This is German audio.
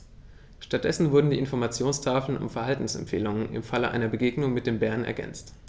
Stattdessen wurden die Informationstafeln um Verhaltensempfehlungen im Falle einer Begegnung mit dem Bären ergänzt.